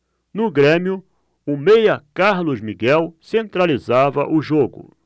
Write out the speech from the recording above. no grêmio o meia carlos miguel centralizava o jogo